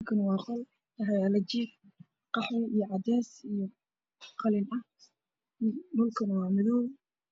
Waa qol waxaa yaal armaajo waxa ay leedahay qaanado farabadan midabkeedu waa dahabi